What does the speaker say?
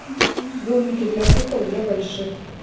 домики для кукол для больших